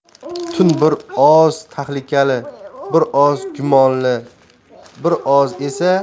tun bir oz tahlikali bir oz gumonli bir oz esa